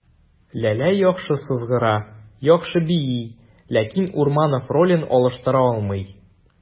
Ләлә яхшы сызгыра, яхшы бии, ләкин Урманов ролен алыштыра алмый.